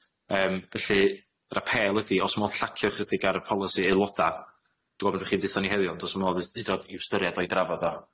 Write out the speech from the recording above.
Yym felly yr apêl ydi, o's modd llacio ychydig ar y polisi aeloda'? Dwi me'wl byddech chi'n deutho ni heddiw, ond o's modd os- hyd n'o'd i'w ystyriad o i'w drafod o?